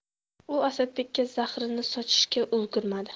u asadbekka zahrini sochishga ulgurmadi